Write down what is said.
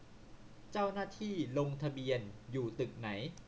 เจ้าหน้าที่ลงทะเบียนอยู่ตึกไหน